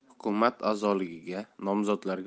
hukumat a'zoligiga nomzodlarga